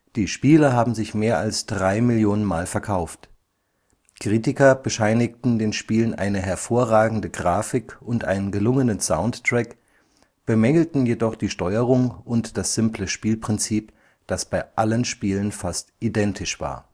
Die Spiele haben sich mehr als drei Millionen Mal verkauft. Kritiker bescheinigten den Spielen eine hervorragende Grafik und einen gelungenen Soundtrack, bemängelten jedoch die Steuerung und das simple Spielprinzip, das bei allen Spielen fast identisch war